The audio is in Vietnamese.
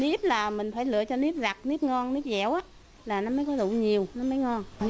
liếp là mình phải lựa cho liếp rặt liếp ngon liếp dẻo á là nó mới có rựu nhiều nó mới ngon